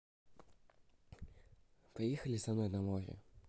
поехали со мной на море